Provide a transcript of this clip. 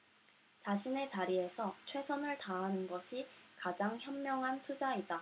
자신의 자리에서 최선을 다하는 것이 가장 현명한 투자이다